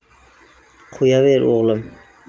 qo'yaver o'g'lim